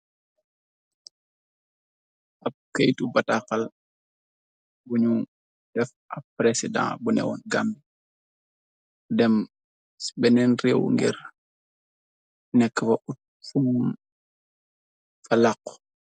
Ahbb keitu baatakhal bu nju deff ahbb president bu nehwon Gambie bii, dem cii benen reww ngirrr nekue fofu nonu laaku.